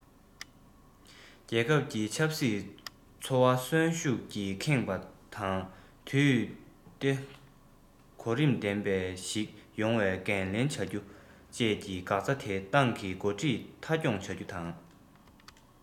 རྒྱལ ཁབ ཀྱི ཆབ སྲིད འཚོ བ གསོན ཤུགས ཀྱིས ཁེངས པ དང དུས བདེ གོ རིམ ལྡན པ ཞིག ཡོང བའི འགན ལེན བྱ རྒྱུ བཅས ཀྱི འགག རྩ དེ ཏང གི འགོ ཁྲིད མཐའ འཁྱོངས བྱ རྒྱུ དང